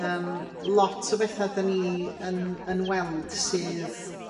Yym lot o betha 'dan ni yn yn weld sydd